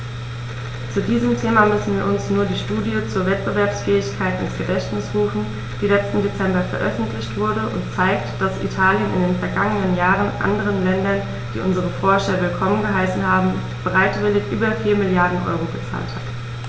Zu diesem Thema müssen wir uns nur die Studie zur Wettbewerbsfähigkeit ins Gedächtnis rufen, die letzten Dezember veröffentlicht wurde und zeigt, dass Italien in den vergangenen Jahren anderen Ländern, die unsere Forscher willkommen geheißen haben, bereitwillig über 4 Mrd. EUR gezahlt hat.